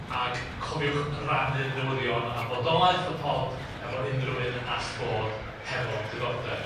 Ag cofiwch rannu'r newyddion am fodolaeth y pod hefo unryw un all fod hefo diddordeb.